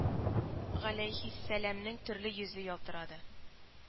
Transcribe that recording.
Галәйһиссәламнең төрле йөзе ялтырады